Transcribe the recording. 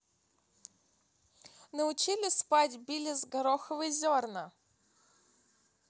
научили спать billys гороховые зерна